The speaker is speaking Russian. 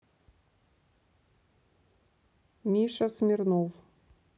миша смирнов